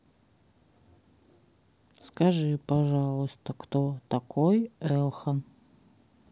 скажи пожалуйста кто такой элхан